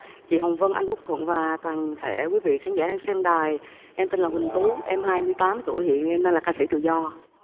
chị hồng vân anh quốc thuận và toàn thể quý vị khán giả đang xem đài em tên là huỳnh tú em hai mươi tám tuổi hiện em đang là ca sĩ tự do